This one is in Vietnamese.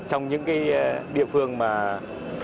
trong những cái địa phương mà